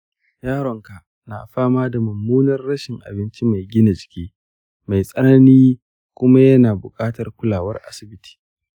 yaronka na fama da mummunar rashin abinci mai gina jiki mai tsanani kuma yana buƙatar kulawar asibiti.